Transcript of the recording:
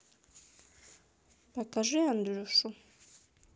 покажи андрюшу